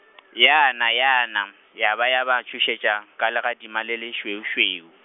yana yana, ya ba ya ba tšhošetša, ka legadima le lešweušweu.